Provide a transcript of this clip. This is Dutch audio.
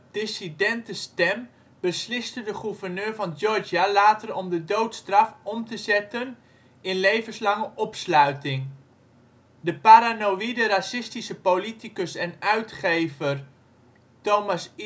dissidente stem besliste de gouverneur van Georgia later om de doodstraf om te zetten in levenslange opsluiting. De paranoïde racistische politicus en uitgever Thomas